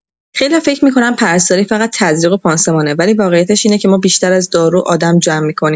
خیلیا فکر می‌کنن پرستاری فقط تزریق و پانسمانه، ولی واقعیتش اینه که ما بیشتر از دارو، آدم جمع می‌کنیم.